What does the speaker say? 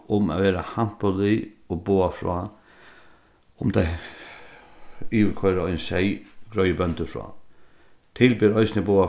um at vera hampilig og boða frá yvirkoyra ein seyð greiðir bóndin frá til ber eisini at boða